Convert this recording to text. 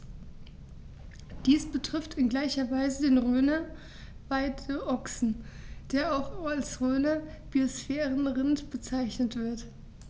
Dies betrifft in gleicher Weise den Rhöner Weideochsen, der auch als Rhöner Biosphärenrind bezeichnet wird.